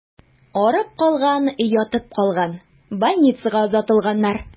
Арып калган, ятып калган, больницага озатылганнар.